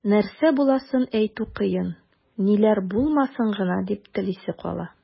Нәрсә буласын әйтү кыен, ниләр булмасын гына дип телисе кала.